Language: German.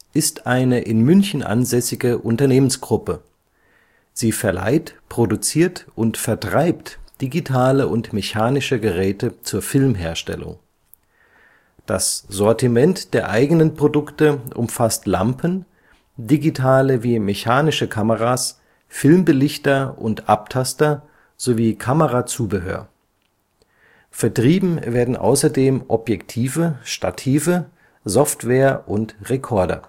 ist eine in München ansässige Unternehmensgruppe. Sie verleiht, produziert und vertreibt digitale und mechanische Geräte zur Filmherstellung. Das Sortiment der eigenen Produkte umfasst Lampen, digitale wie mechanische Kameras, Filmbelichter und Abtaster sowie Kamerazubehör. Vertrieben werden außerdem Objektive, Stative, Software und Rekorder